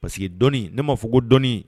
Parce dɔɔnin ne m maa fɔ ko dɔɔnin